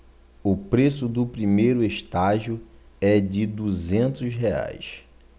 o preço do primeiro estágio é de duzentos reais